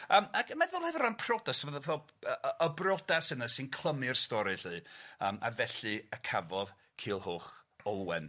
Yym ac yn meddwl hefo ran prodas ma' fath o yy yy y briodas yna sy'n clymu'r stori 'lly yym a felly a cafodd Culhwch Olwen.